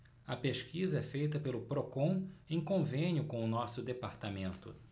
a pesquisa é feita pelo procon em convênio com o diese